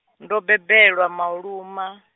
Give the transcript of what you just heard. ndo bebelwa Mauluma.